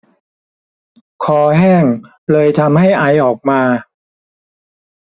คอแห้งเลยทำให้ไอออกมา